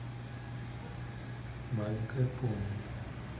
маленькая пони